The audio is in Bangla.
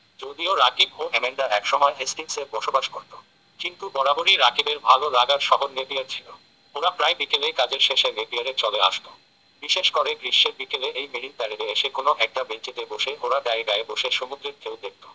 যদিও রাকিব ও এমেন্ডা একসময় হেস্টিংসে বসবাস করত কিন্তু বরাবরই রাকিবের ভালো লাগার শহর নেপিয়ার ছিল ওরা প্রায় বিকেলেই কাজের শেষে নেপিয়ারে চলে আসত বিশেষ করে গ্রীষ্মের বিকেলে এই মেরিন প্যারেডে এসে কোনো একটা বেঞ্চিতে বসে ওরা গায়ে গায়ে বসে সমুদ্রের ঢেউ দেখত